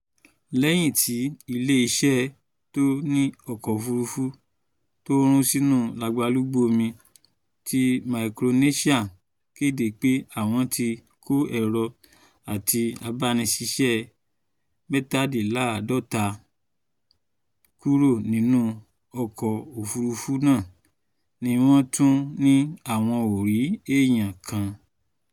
Lẹ́yìn tí Ilé-iṣẹ́ tó ni ọkọ̀-òfúrufú, tó run sínu lagbalúgbú omi ti Micronesia, kéde pé àwọn ti kó èrò àti abániṣiṣẹ́ 47 kúrò nínú ọkọ̀-òfúrufú náà, ni wọ́n tún ní àwọn ò rí èèyàn kan.